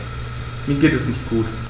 Mir geht es nicht gut.